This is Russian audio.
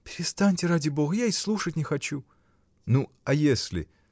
— Перестаньте, ради Бога: я и слушать не хочу! — Ну, а если?